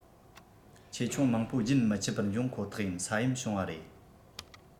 ཆེ ཆུང མང པོ རྒྱུན མི ཆད པར འབྱུང ཁོ ཐག ཡིན ས ཡོམ བྱུང བ རེད